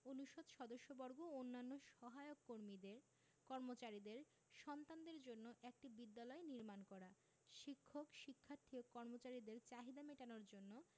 অনুষদ সদস্যবর্গ ও অন্যান্য সহায়ক কর্মীদের কর্মচারীদের সন্তানদের জন্য একটি বিদ্যালয় নির্মাণ করা শিক্ষক শিক্ষার্থী ও কর্মচারীদের চাহিদা মেটানোর জন্য